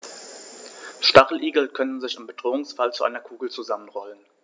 Stacheligel können sich im Bedrohungsfall zu einer Kugel zusammenrollen.